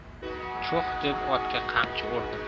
chuh deb otga qamchi urdim